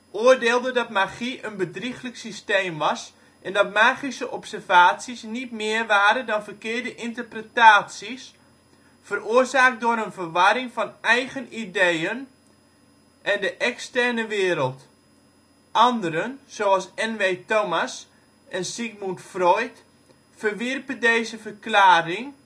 oordeelde dat magie een bedrieglijk systeem was en dat magische observaties niet meer waren dan verkeerde interpretaties, veroorzaakt door een verwarring van eigen ideeën en de externe wereld. Anderen, zoals N. W. Thomas en Sigmund Freud, verwierpen deze verklaring